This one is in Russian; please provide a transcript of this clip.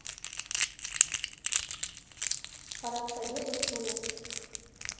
парад победы в туле